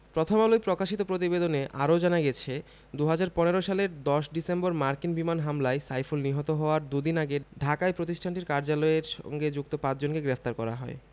প্রথম আলোয় প্রকাশিত প্রতিবেদনে আরও জানা গেছে ২০১৫ সালের ১০ ডিসেম্বর মার্কিন বিমান হামলায় সাইফুল নিহত হওয়ার দুদিন আগে ঢাকায় প্রতিষ্ঠানটির কার্যালয়ের সঙ্গে যুক্ত পাঁচজনকে গ্রেপ্তার করা হয়